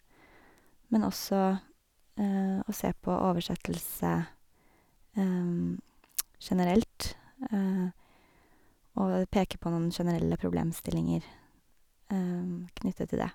Men også og se på oversettelse generelt og e peker på noen generelle problemstillinger knyttet til det.